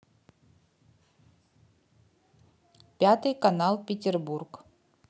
пятый канал петербург